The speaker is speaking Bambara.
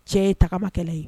Cɛ ye tagama kɛlɛ ye